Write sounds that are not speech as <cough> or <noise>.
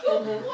<crosstalk> <hesitation> <hesitation>